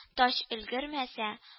Таҗ өлгермәсә